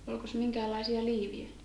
olikos minkäänlaisia liivejä